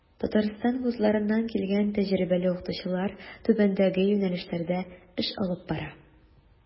Татарстан вузларыннан килгән тәҗрибәле укытучылар түбәндәге юнәлешләрдә эш алып бара.